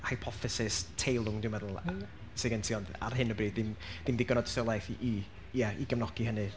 hypothesis teilwng, dwi'n meddwl sy gen ti. Ond, ar hyn o bryd, ddim digon o dystiolaeth i i ia i gefnogi hynny.